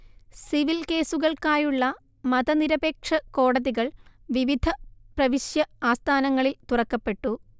civil കേസുകൾക്കായുള്ള മതനിരപേക്ഷകോടതികൾ വിവിധ പ്രവിശ്യ ആസ്ഥാനങ്ങളിൽ തുറക്കപ്പെട്ടു